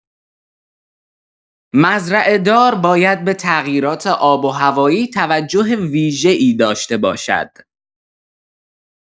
مزرعه‌دار باید به تغییرات آب و هوایی توجه ویژه‌ای داشته باشد.